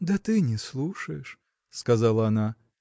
– Да ты не слушаешь, – сказала она.